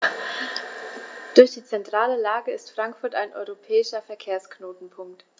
Durch die zentrale Lage ist Frankfurt ein europäischer Verkehrsknotenpunkt.